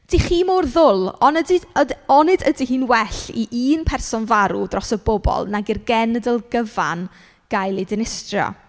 'Dych chi mor ddwl, onydid- yd- onid ydy hi'n well i un person farw dros y bobl nag i'r genedl gyfan gael ei dinistrio.